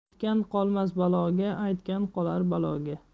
otgan qolmas baloga aytgan qolar baloga